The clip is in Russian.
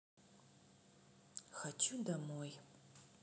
хочу домой